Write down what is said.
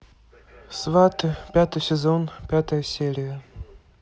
сваты пятый сезон пятая серия